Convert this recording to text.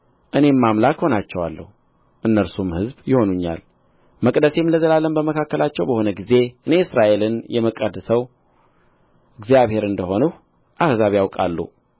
እኔም አምላክ እሆናቸዋለሁ እነርሱም ሕዝብ ይሆኑኛል መቅደሴም ለዘላለም በመካከላቸው በሆነ ጊዜ እኔ እስራኤልን የምቀድሰው እግዚአብሔር እንደ ሆንሁ አሕዛብ ያውቃሉ